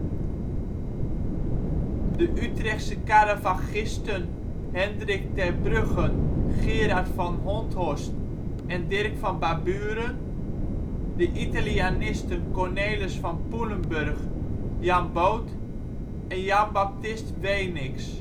Utrechtse caravaggisten " Hendrick ter Brugghen, Gerard van Honthorst en Dirck van Baburen, de " Italianisanten " Cornelis van Poelenburch, Jan Both en Jan Baptist Weenix